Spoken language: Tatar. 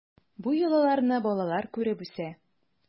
Бу йолаларны балалар күреп үсә.